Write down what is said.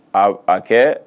Aa a kɛ